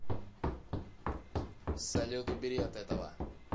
салют убери от этого